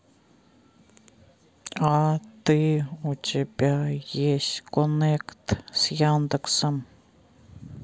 а ты у тебя есть коннект с яндексом